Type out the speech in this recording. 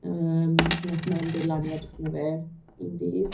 Yym, so wnaeth mam dod lan i edrych arno fe un dydd.